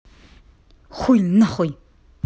хуй нахуй